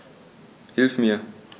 Hilf mir!